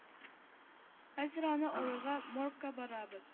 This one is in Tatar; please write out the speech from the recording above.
Хәзер аны алырга моргка барабыз